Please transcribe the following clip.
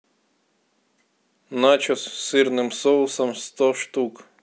начос с сырным соусом сто штук